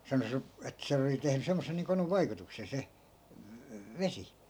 sanoi se että sen oli tehnyt semmoisen niin konun vaikutuksen se vesi